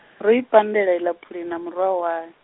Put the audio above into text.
ro i pandela iḽa phuli na murwa wa.